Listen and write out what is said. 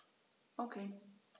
Okay.